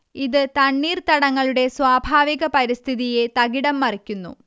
ഇത് തണ്ണീർത്തടങ്ങളുടെ സ്വാഭാവിക പരിസ്ഥിതിയെ തകിടംമറിക്കുന്നു